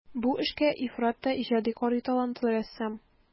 Бу эшкә ифрат та иҗади карый талантлы рәссам.